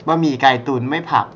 บะหมี่ไก่ตุ่นไม่ผัก